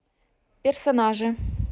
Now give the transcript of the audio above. персонажи